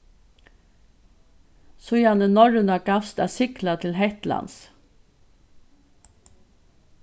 síðani norrøna gavst at sigla til hetlands